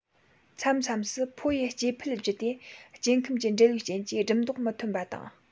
མཚམས མཚམས སུ ཕོ ཡི སྐྱེ འཕེལ རྒྱུ དེ སྐྱེ ཁམས ཀྱི འབྲེལ བའི རྐྱེན གྱིས སྦྲུམ རྡོག མི ཐོན པ དང